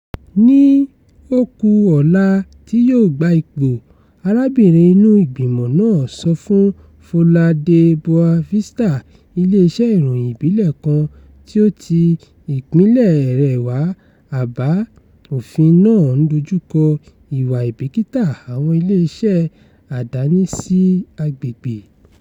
Ní ó-ku-ọ̀la tí yóò gba ipò, arábìnrin inú ìgbìmọ̀ náà sọ fún Folha de Boa Vista, ilé-iṣẹ́ ìròyìn ìbílẹ̀ kan tí ó ti ìpínlẹ̀ẹ rẹ̀ wá pé àbá òfin náà ń dojúkọ ìwà àìbìkítà àwọn iléeṣẹ́ àdáni sí agbègbè: